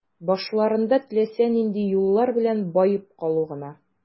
Башларында теләсә нинди юллар белән баеп калу гына.